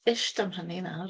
Ist am hynny nawr.